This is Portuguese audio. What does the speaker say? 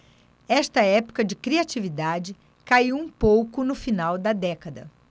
esta época de criatividade caiu um pouco no final da década